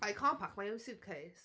I can't pack my own suitcase.